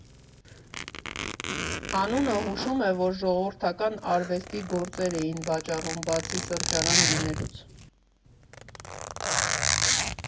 Անունը հուշում է, որ ժողովրդական արվեստի գործեր էին վաճառում, բացի սրճարան լինելուց։